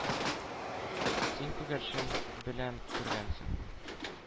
— син, күгәрчен, беләм, күргәнсең,